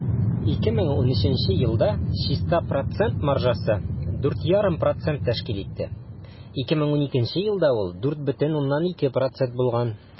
2013 елда чиста процент маржасы 4,5 % тәшкил итте, 2012 елда ул 4,2 % булган.